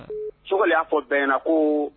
Cogoko y'a fɔ bɛn ko